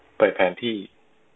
เปิดแผนที่